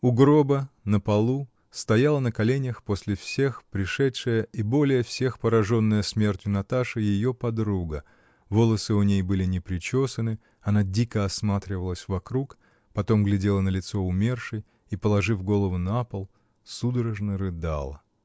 У гроба на полу стояла на коленях после всех пришедшая и более всех пораженная смертью Наташи ее подруга: волосы у ней были не причесаны, она дико осматривалась вокруг, потом глядела на лицо умершей и, положив голову на пол, судорожно рыдала.